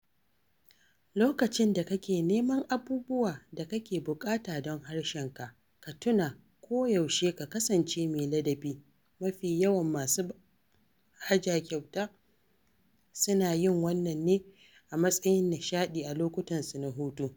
Lokacin da kake neman abubuwa da kake buƙata don harshenka, ka tuna koyaushe ka kasance mai ladabi — mafi yawan masu haɓaka manhaja kyauta suna yin wannan ne a matsayin nishaɗi a lokutan su na hutu.